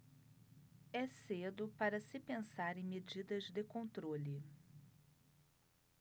é cedo para se pensar em medidas de controle